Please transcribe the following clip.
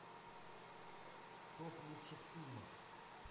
топ лучших фильмов